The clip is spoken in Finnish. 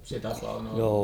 se tapa on ollut